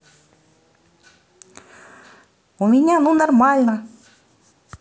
у меня ну нормально